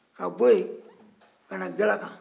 ka bɔ yen ka na galakan